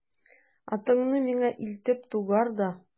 Атыңны миңа илтеп тугар да...